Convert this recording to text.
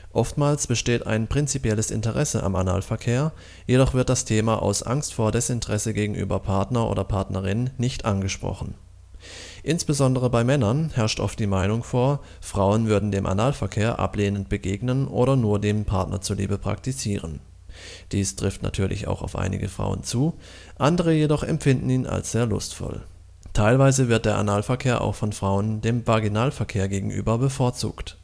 Oftmals besteht ein prinzipielles Interesse am Analverkehr, jedoch wird das Thema aus Angst vor Desinteresse gegenüber Partner oder Partnerin nicht angesprochen. Insbesondere bei Männern herrscht oft die Meinung vor, Frauen würden dem Analverkehr ablehnend begegnen oder nur dem Partner zuliebe praktizieren. Dies trifft natürlich auf einige Frauen auch zu, andere jedoch empfinden ihn als sehr lustvoll. Teilweise wird der Analverkehr auch von Frauen dem Vaginalverkehr gegenüber bevorzugt